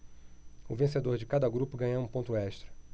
o vencedor de cada grupo ganha um ponto extra